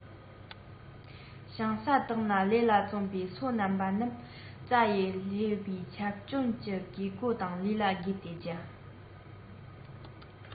ཞིང ས དག ན ལས ལ བརྩོན པའི སོ ནམ པ རྣམས རྩྭ ཡི བསླས པའི ཆར སྐྱོབ ཀྱི གོས མགོ དང ལུས ལ བགོས ཏེ རྒྱུ